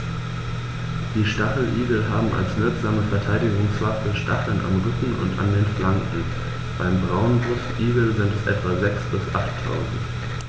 Die Stacheligel haben als wirksame Verteidigungswaffe Stacheln am Rücken und an den Flanken (beim Braunbrustigel sind es etwa sechs- bis achttausend).